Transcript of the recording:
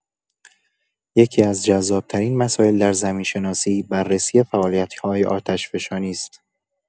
یکی‌از جذاب‌ترین مسائل در زمین‌شناسی بررسی فعالیت‌های آتشفشانی است.